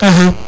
axa